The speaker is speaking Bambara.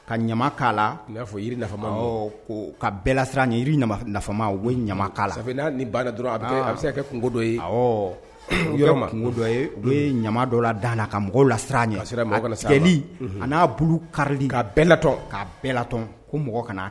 Ka ɲama' la fɔma kalama dɔrɔn a a bɛ se kɛ dɔ ye dɔ u ɲama dɔ dan ka mɔgɔw la a n'a kari ka bɛɛ la ka bɛɛ la ko mɔgɔ kana